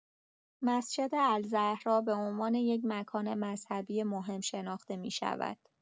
مسجد الزهراء به عنوان یک مکان مذهبی مهم شناخته می‌شود.